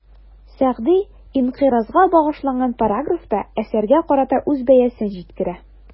Сәгъди «инкыйраз»га багышланган параграфта, әсәргә карата үз бәясен җиткерә.